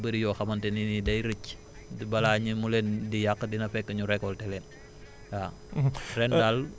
voilà bu ko defee dina ci bëri yoo xamante ne ni day rëcc balaa ñu mu leen di yàq dina fekk ñu récolter leen waaw